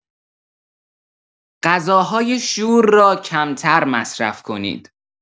غذاهای شور را کمتر مصرف کنید.